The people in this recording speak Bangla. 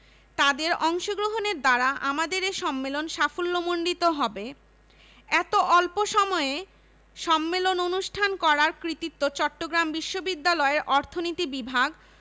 তাদের অংশগ্রহণের দ্বারা আমাদের এ সম্মেলন সাফল্যমণ্ডিত হবে এত অল্প এ সম্মেলন অনুষ্ঠান করার কৃতিত্ব চট্টগ্রাম বিশ্ববিদ্যালয়ের অর্থনীতি বিভাগ